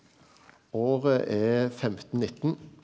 året er femtennitten.